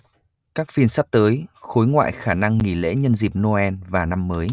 các phiên sắp tới khối ngoại khả năng nghỉ lễ nhân dịp noel và năm mới